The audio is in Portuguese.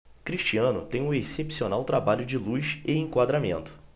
cristiano tem um excepcional trabalho de luz e enquadramento